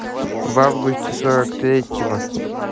в августе сорок третьего